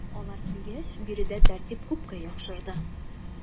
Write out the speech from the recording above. Алар килгәч биредә тәртип күпкә яхшырды.